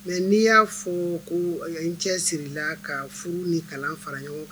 Mais n'i y'a fɔɔ koo ɛ kɛ n cɛ sirila ka furu ni kalan fara ɲɔgɔn ka